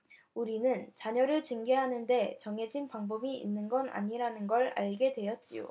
우리는 자녀를 징계하는 데 정해진 방법이 있는 건 아니라는 걸 알게 되었지요